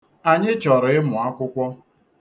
Anyị chọrọ ịmụ akwụkwọ.